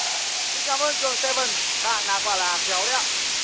xin cảm ơn cường se vừn bạn à quả là khéo đẹo